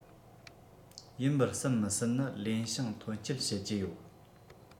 ཡིན པར བསམ མི སྲིད ནི ལེན ཞང ཐོན སྐྱེད བྱེད ཀྱི ཡོད